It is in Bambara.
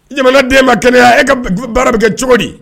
Jamana den ma kɛnɛyaya e ka baara bɛ kɛ cogo di